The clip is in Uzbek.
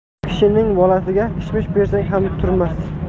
kishining bolasiga kishmish bersang ham turmas